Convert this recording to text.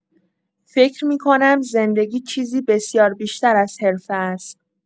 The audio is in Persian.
فکر می‌کنم زندگی چیزی بسیار بیشتر از حرفه است.